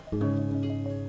San